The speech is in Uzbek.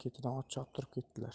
ketidan ot choptirib ketdilar